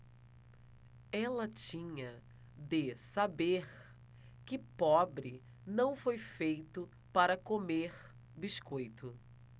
ela tinha de saber que pobre não foi feito para comer biscoito